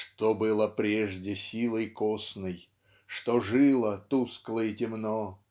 Что было прежде силой косной Что жило тускло и темно